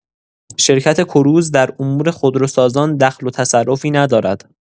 شرکت کروز در امور خودروسازان دخل و تصرفی ندارد.